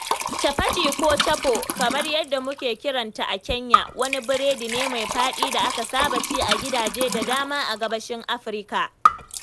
Chapati ko “chapo”, kamar yadda muke kiran ta a Kenya, wani biredi ne mai faɗi da aka saba ci a gidaje da dama a Gabashin Afirka.